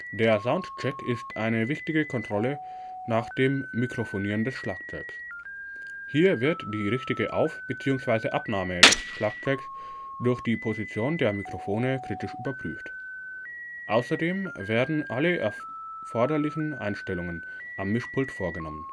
Der Soundcheck ist eine wichtige Kontrolle nach dem Mikrofonieren des Schlagzeugs. Hier wird die richtige Auf - bzw. Abnahme des Schlagzeugs durch die Position der Mikrofone kritisch überprüft. Außerdem werden alle erforderlichen Einstellungen am Mischpult vorgenommen